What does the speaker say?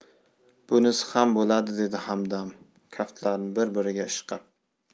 bunisi ham bo'ladi dedi hamdam kaftlarini bir biriga ishqab